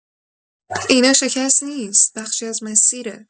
اینا شکست نیست، بخشی از مسیره.